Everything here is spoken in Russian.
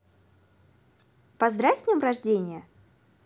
поздравь с днем рождения